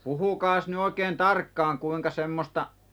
puhukaas nyt oikein tarkkaan kuinka semmoista